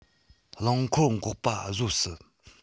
རླངས འཁོར འགག པ བཟོ སྲིད